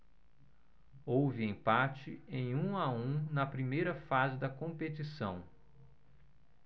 houve empate em um a um na primeira fase da competição